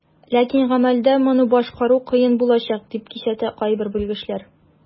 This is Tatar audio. Ләкин гамәлдә моны башкару кыен булачак, дип кисәтә кайбер белгечләр.